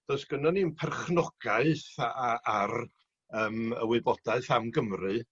Does gynnon ni'm perchnogaeth a- a- ar yym y wybodaeth am Gymru